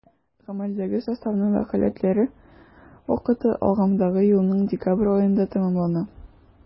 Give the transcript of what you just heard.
Гамәлдәге составның вәкаләтләре вакыты агымдагы елның декабрь аенда тәмамлана.